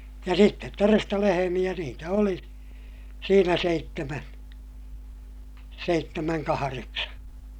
ja sitten todesta lehmiä niitä oli siinä seitsemän seitsemän kahdeksan